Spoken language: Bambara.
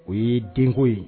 O ye denko ye